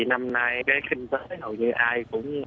năm nay hầu như ai cũng